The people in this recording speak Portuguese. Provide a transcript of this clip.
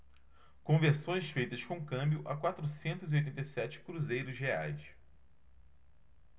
conversões feitas com câmbio a quatrocentos e oitenta e sete cruzeiros reais